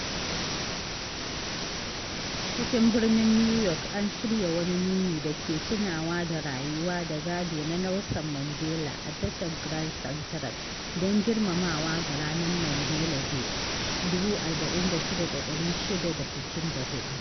A cikin birnin New York, an shirya wani nuni da ke tunawa da rayuwa da gado na Nelson Mandela a tashar Grand Central, don girmamawa ga Ranar Mandela Day 46664.